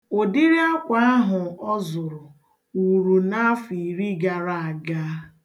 Ụdịrị akwa ahụ ọ zụrụ wuru n'afọ iri gara aga.